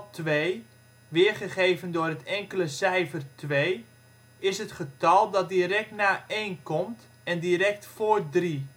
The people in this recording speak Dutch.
twee, weergegeven door het enkele cijfer 2, is het getal dat direct na een komt en direct voor drie